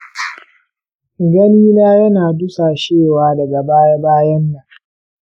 ganina ya na dusashewa daga baya-bayan nan.